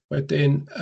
Wedyn yy...